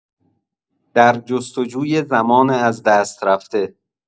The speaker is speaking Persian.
در جستجوی زمان از دست رفته